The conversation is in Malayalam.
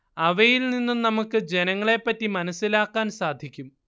അവയിൽ നിന്ന് നമുക്ക് ജനങ്ങളെ പറ്റി മനസ്സിലാക്കാൻ സാധിക്കും